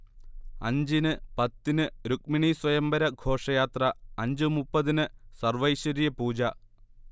അഞ്ചിന് പത്തിന് രുക്മിണീസ്വയംവര ഘോഷയാത്ര അഞ്ചു മുപ്പതിന് സർവൈശ്വര്യപൂജ